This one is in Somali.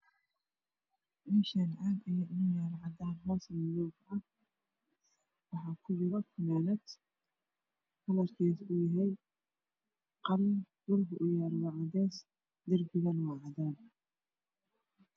Meshaan caag ayaa inoo yaalo cadan hoos neh madoow ka ah waxa ku jiro funanad kalarkeedo uuw yahay qalin dhulku oow yaalo waa cades dirbiga neh waa cadaan